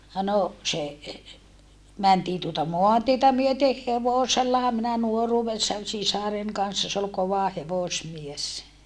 no se mentiin tuota maantietä myöten hevosellahan minä nuoruudessani sisaren kanssa se oli kova hevosmies